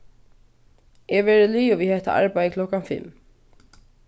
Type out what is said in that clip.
eg verði liðug við hetta arbeiðið klokkan fimm